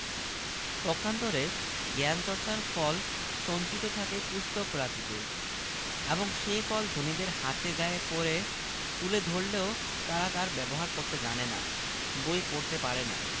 কাউকে মোক্ষম মারাত্মক অপমান করতে হলেও তারা ওই জিনিস দিয়েই করে মনে করুন আপনার সবচেয়ে ভক্তি ভালবাসা দেশের জন্য